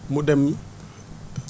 mu dem ñu